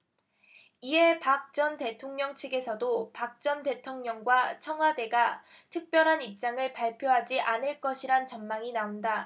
이에 박 전 대통령 측에서도 박 전 대통령과 청와대가 특별한 입장을 발표하지 않을 것이란 전망이 나온다